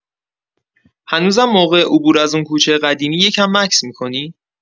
هنوزم موقع عبور از اون کوچه قدیمی یه کم مکث می‌کنی؟